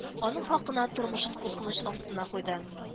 Аның хакына тормышын куркыныч астына куйды